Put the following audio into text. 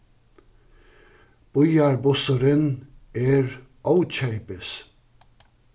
býarbussurin er ókeypis